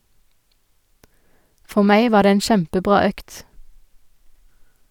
- For meg var det en kjempebra økt.